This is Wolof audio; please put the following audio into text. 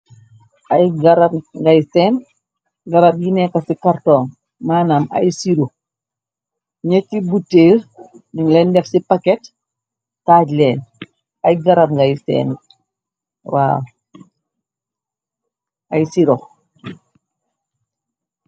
Ay garab ngai seen garab yi nekka ci carton maanam ay siru ñyetti butël nun len ndef ci paket taaj leen ay garab ngai seen ay siro waw.